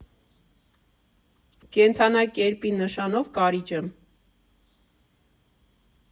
Կենդանակերպի նշանով կարիճ եմ։